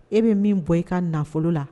E bɛ min bɔ i ka nafolo la